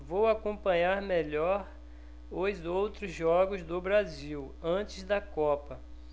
vou acompanhar melhor os outros jogos do brasil antes da copa